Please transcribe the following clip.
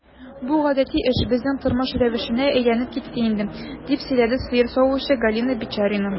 Бу гадәти эш, безнең тормыш рәвешенә әйләнеп китте инде, - дип сөйләде сыер савучы Галина Бичарина.